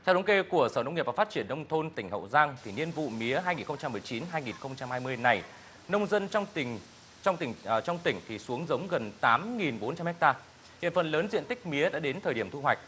theo thống kê của sở nông nghiệp và phát triển nông thôn tỉnh hậu giang thì niên vụ mía hai nghìn không trăm mười chín hai nghìn không trăm hai mươi này nông dân trong tình trong tỉnh ờ trong tỉnh thì xuống giống gần tám nghìn bốn trăm héc ta hiện phần lớn diện tích mía đã đến thời điểm thu hoạch